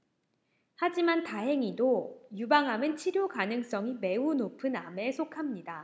하지만 다행히도 유방암은 치료 가능성이 매우 높은 암에 속합니다